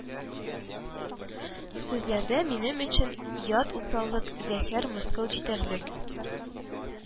Сүзләрдә минем өчен ят усаллык, зәһәр, мыскыл җитәрлек